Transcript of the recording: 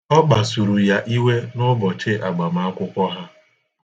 Ọ kpasuru ya iwe n'ụbọchị agbamakwụkwọ ha.